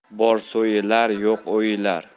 bor so'yilar yo'q o'yilar